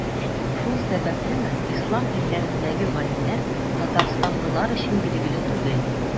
Шул сәбәплеме, Ислам илләрендәге галимнәр Татарстанлылар өчен билгеле түгел.